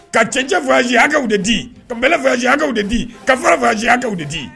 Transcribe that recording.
Ka cɛncɛ fzyakaw de di ka fzyakaw de di ka fara wya ka de di